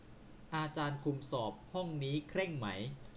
อาจารย์คุมสอบห้องนี้เคร่งไหม